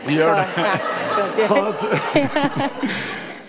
gjør det ta et.